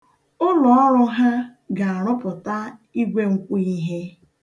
Ụlọọrụ ha ga-arụpụta igwe nkwọihe.